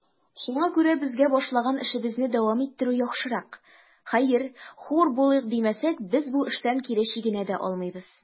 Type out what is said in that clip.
Шуңа күрә безгә башлаган эшебезне дәвам иттерү яхшырак; хәер, хур булыйк димәсәк, без бу эштән кире чигенә дә алмыйбыз.